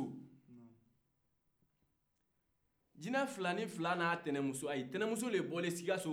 jina filanin fila ni ayi tɛnɛnmuso ayi tɛnɛnmuso le bɔlen sikaso kɛba ye